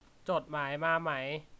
จดหมายมาไหม